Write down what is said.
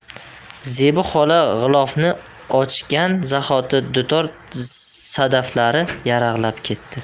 zebi xola g'ilofni ochgan zahoti dutor sadaflari yaraqlab ketdi